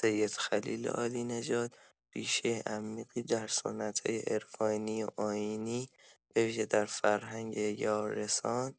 سید خلیل عالی‌نژاد ریشه عمیقی در سنت‌های عرفانی و آیینی، به‌ویژه در فرهنگ یارسان،